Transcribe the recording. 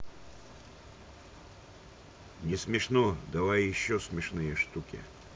не смешно давай еще смешные штуки